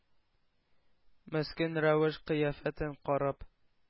Мескен рәвеш-кыяфәтен карап,